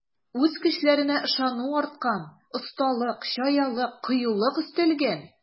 Үз көчләренә ышану арткан, осталык, чаялык, кыюлык өстәлгән.